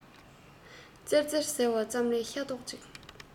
ཙེར ཙེར ཟེར བ ཙམ ལས ཤ རྡོག གཅིག